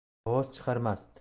ovoz chiqarmasdi